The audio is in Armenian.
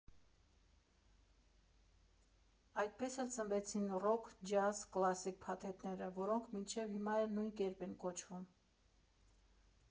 Այդպես էլ ծնվեցին «Ռոք», «Ջազ», «Կլասիկ» փաթեթները, որոնք մինչև հիմա էլ նույն կերպ են կոչվում։